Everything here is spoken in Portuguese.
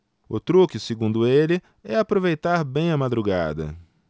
o truque segundo ele é aproveitar bem a madrugada